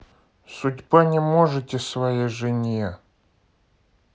судьба не можете своей жене